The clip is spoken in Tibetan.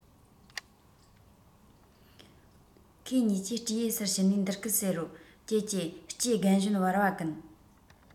ཁོས གཉིས ཀྱི སྤྲེའུའི སར ཕྱིན ནས འདི སྐད ཟེར རོ ཀྱེ ཀྱེ སྤྲེའུ རྒན གཞོན བར བ ཀུན